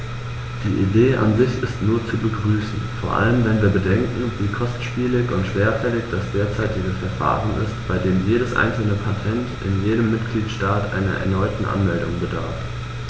Die Idee an sich ist nur zu begrüßen, vor allem wenn wir bedenken, wie kostspielig und schwerfällig das derzeitige Verfahren ist, bei dem jedes einzelne Patent in jedem Mitgliedstaat einer erneuten Anmeldung bedarf.